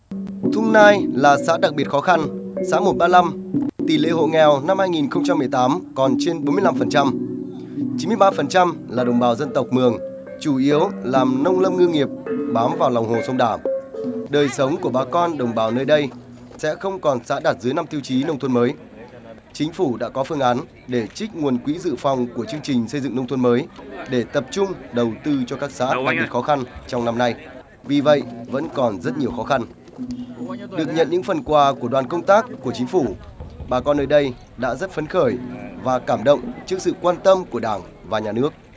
thung nai là xã đặc biệt khó khăn xã một ba năm tỷ lệ hộ nghèo năm hai nghìn không trăm mười tám còn trên bốn mươi lăm phần trăm chín mươi ba phần trăm là đồng bào dân tộc mường chủ yếu làm nông lâm ngư nghiệp bám vào lòng hồ sông đà đời sống của bà con đồng bào nơi đây sẽ không còn xã đạt dưới năm tiêu chí nông thôn mới chính phủ đã có phương án để trích nguồn quỹ dự phòng của trương trình xây dựng nông thôn mới để tập trung đầu tư cho các xã đặc biệt khó khăn trong năm nay vì vậy vẫn còn rất nhiều khó khăn được nhận những phần quà của đoàn công tác của chính phủ bà con nơi đây đã rất phấn khởi và cảm động trước sự quan tâm của đảng và nhà nước